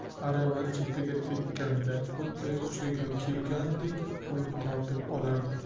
arava chetiga tekkanda xuddi hushiga kelgandek qo'lini tortib olardi